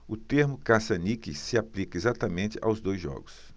o termo caça-níqueis se aplica exatamente aos dois jogos